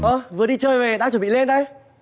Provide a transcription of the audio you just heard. ơ vừa đi chơi về đang chuẩn bị lên đây